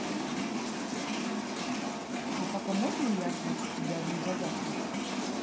а пока можно я отвечу тебе одну загадку